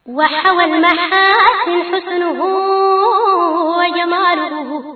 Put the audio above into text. Wadugu yadugu